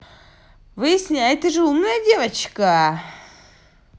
выясняй ты же умная девочка